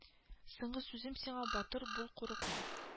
Соңгы сүзем сиңа батыр бул курыкма